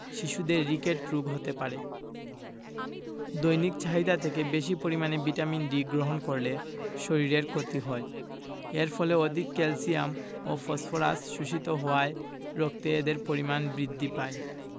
শিশুদের রিকেট রোগ হতে পারে দৈনিক চাহিদা থেকে বেশী পরিমাণে ভিটামিন D গ্রহণ করলে শরীরের ক্ষতি হয় এর ফলে অধিক ক্যালসিয়াম ও ফসফরাস শোষিত হওয়ায় রক্তে এদের পরিমাণ বৃদ্ধি পায়